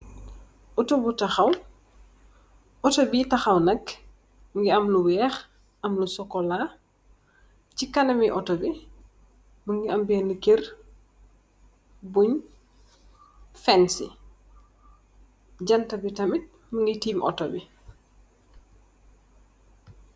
Otto bu taxaw, mugii am lu wèèx am lu sokola ci kanam mi Otto bi mugii am benna kèr buñ fensi, janta bi tamid mugi tiim Otto bi.